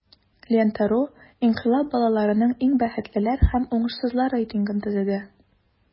"лента.ру" инкыйлаб балаларының иң бәхетлеләр һәм уңышсызлар рейтингын төзеде.